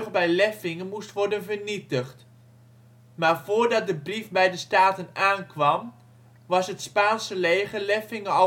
bij Leffinge moest worden vernietigd. Maar voordat de brief bij de Staten aankwam, was het Spaanse leger Leffinge